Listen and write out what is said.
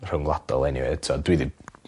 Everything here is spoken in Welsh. rhyngwladol eniwe t'od dwi 'di